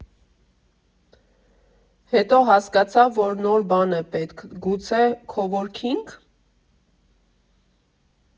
Հետո հասկացավ, որ նոր բան է պետք՝ գուցե քո֊վորքի՞նգ։